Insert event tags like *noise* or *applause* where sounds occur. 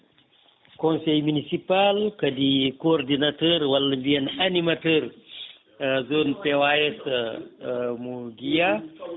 conseil municipal kadi coordinateur walla mbiyen animateur *hesitation* zone PAS mo Guiya